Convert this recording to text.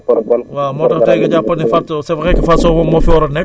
voilà damaa dégluwul rajo bi nag moo tax amul probleme